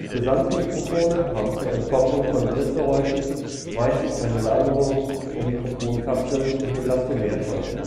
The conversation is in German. Gesangsmikrofone haben zur Entkopplung von Griffgeräuschen meistens eine Lagerung der Mikrofonkapsel mit Elastomerschäumen